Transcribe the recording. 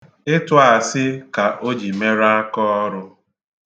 Ịtụ asị ka o ji mere aka ọrụ